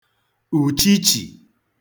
ùchichì